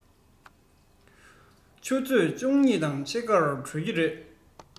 ཆུ ཚོད བཅུ གཉིས དང ཕྱེད ཀར གྲོལ གྱི རེད